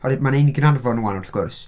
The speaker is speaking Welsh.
Oherwydd mae 'na un i Gaernarfon 'wan wrth gwrs.